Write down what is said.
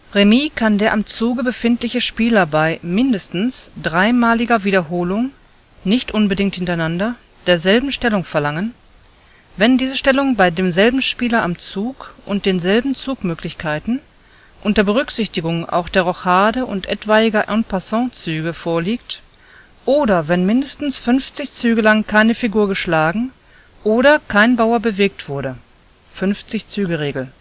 Remis kann der am Zuge befindliche Spieler bei (mindestens) dreimaliger Wiederholung (nicht unbedingt hintereinander) derselben Stellung verlangen, wenn diese Stellung mit demselben Spieler am Zug und denselben Zugmöglichkeiten, unter Berücksichtigung auch der Rochade und etwaiger En-passant-Züge vorliegt, oder wenn mindestens 50 Züge lang keine Figur geschlagen oder kein Bauer bewegt wurde (50-Züge-Regel